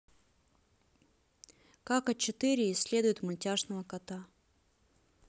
как а четыре исследует мультяшного кота